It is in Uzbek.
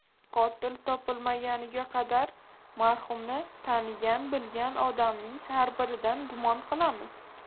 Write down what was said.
qotil topilmaguniga qadar marhumni tanigan bilgan odamning har biridan gumon qilamiz